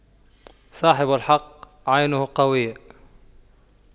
صاحب الحق عينه قوية